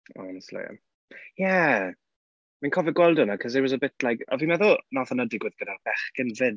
Honestly. Ie fi'n cofio gweld hwnna cause it was a bit like o fi'n meddwl wnaeth hynna digwydd gyda bechgyn 'fyd.